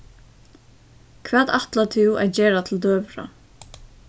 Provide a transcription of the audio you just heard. hvat ætlar tú at gera til døgurða